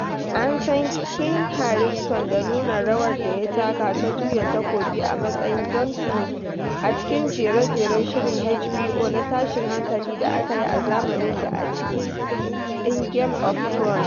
An san Kit Harington da nuna rawar da ya taka ta juya takobi a matsayin Jon Snow a cikin jere-jeren shirin HBO na tashin hankali da aka yi a zamanin da a cikin din Game of Thrones.